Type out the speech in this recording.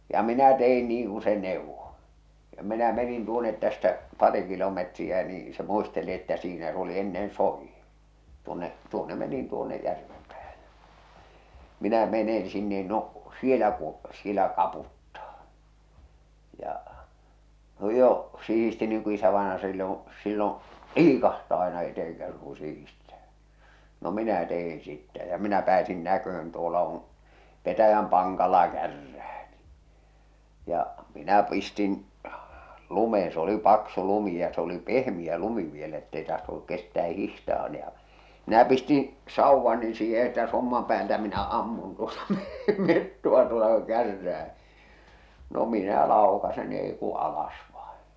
ja minä tein niin kuin se neuvoi ja minä menin tuonne tästä pari kilometriä niin se muisteli että siinä se oli ennen soidin tuonne tuonne menin tuonne järven päähän ja minä menen sinne no siellä kun siellä kaputtaa ja jo sihisti niin kuin isävainaja silloin silloin liikahtaa aina eteenkäsin kun sihistää no minä tein sitten ja minä pääsin näkemään tuolla on petäjän pankalla kärrää niin ja minä pistin lumeen se oli paksu lumi ja se oli pehmeä lumi vielä että ei tahtonut kestää hiihtää - ja minä pistin sauvani siihen että somman päältä minä ammun tuota niin metsoa tuota kun kärrää no minä laukaisen niin ei kuin alas vain